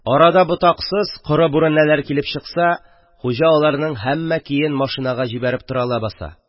Арада ботаксыз, коры бүрәнәләр килеп чыкса, хуҗа аларның һәммәсен машинага җибәреп тора лабаса.